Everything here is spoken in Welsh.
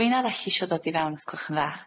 Rwin arall isho dod i fewn os gw'ch yn dda?